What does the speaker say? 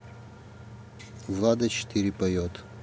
влад а четыре поет